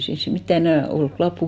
ei siinä sitten mitään enää ole lappua